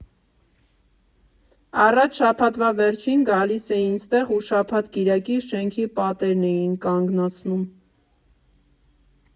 Առաջ շաբաթվա վերջին գալիս էին ստեղ ու շաբաթ֊կիրակի շենքի պատերն էին կանգնացնում։